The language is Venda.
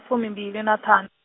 fumimbili na ṱhanu.